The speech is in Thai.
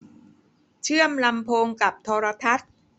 เชื่อลำโพงกับโทรทัศน์